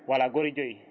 voilà goori joyyi